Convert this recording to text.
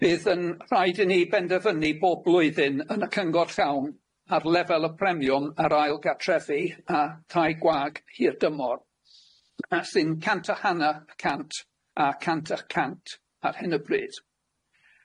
Bydd yn rhaid i ni benderfynu bob blwyddyn yn y Cyngor llawn ar lefel y premiwm ar ail gartrefi a thai gwag hirdymor a sy'n cant a hanna y cant a cant a chant ar hyn o bryd.